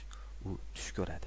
u tush ko'radi